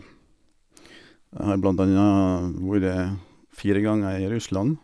Jeg har blant anna vore fire ganger i Russland.